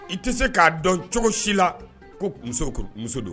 I tɛ se k'a dɔn cogo si la ko muso muso don